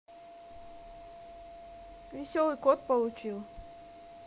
веселый кот получил